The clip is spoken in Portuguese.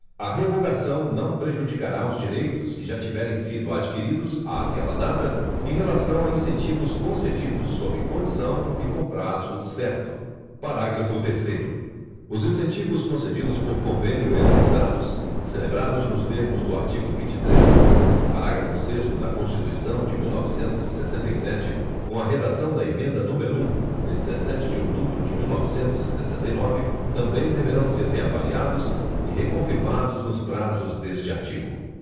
a revogação não prejudicará os direitos que já tiverem sido adquiridos àquela data em relação a incentivos concedidos sob condição e com prazo certo parágrafo terceiro os incentivos concedidos por convênio entre estados celebrados nos termos do artigo vinte e três parágrafo sexto da constituição de mil novecentos e sessenta e sete com a redação da emenda número um de dezessete de outubro de mil novecentos e sessenta e nove também deverão ser reavaliados e reconfirmados nos prazos deste artigo